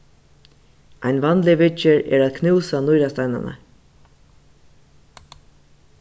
ein vanlig viðgerð er at knúsa nýrasteinarnar